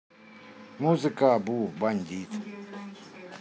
музыка абу бандит